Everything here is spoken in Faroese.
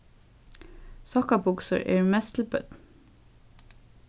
sokkabuksur eru mest til børn